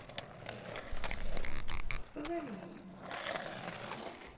позови ее